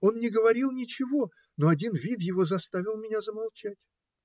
Он не говорил ничего, но один вид его заставил меня замолчать.